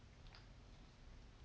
деревенщина вторая третья серия